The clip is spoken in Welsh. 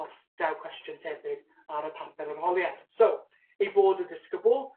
os daw cwestiwn tebyg ar y papur arholiad. So ei bod y disgybl